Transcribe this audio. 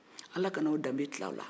ala kan'anw danbe til'aw la